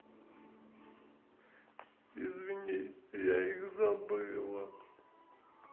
извини я их забыла